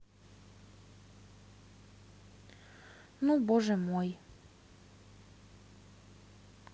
ну боже мой